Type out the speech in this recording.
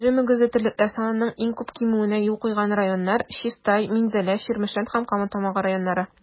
Эре мөгезле терлекләр санының иң күп кимүенә юл куйган районнар - Чистай, Минзәлә, Чирмешән һәм Кама Тамагы районнары.